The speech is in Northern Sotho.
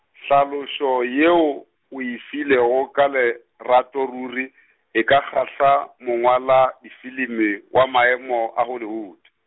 tlhaloso yeo, o e filego ka lerato ruri, e ka kgahla, mongwaladifilimi, wa maemo, a Hollywood.